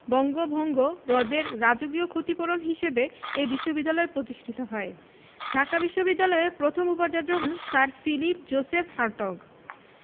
বঙ্গভঙ্গ রদের রাজকীয় ক্ষতিপূরণ হিসেবে এ বিশ্ববিদ্যালয় প্রতিষ্ঠিত হয় ঢাকা বিশ্ববিদ্যালয়ের প্রথম উপাচার্য হন স্যার ফিলিপ জোসেফ হার্টগ